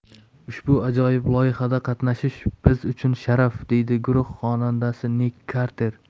ushbu ajoyib loyihada qatnashish biz uchun sharaf deydi guruh xonandasi nik karter